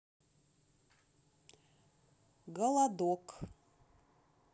голодок